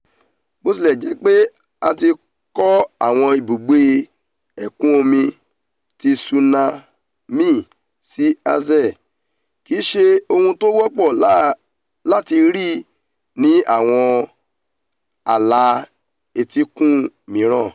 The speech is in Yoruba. Bó tilẹ̀ jẹ́ pé a ti kọ́ àwọn ibùgbé ẹ̀kún omi tsunami sí Aceh, kìí ṣe ohun tó wọ́pọ̀ láti rí ní àwọn ààlà etíkun mìíràn.